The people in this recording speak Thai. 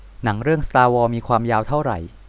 หนังเรื่องสตาร์วอร์มีความยาวเท่าไหร่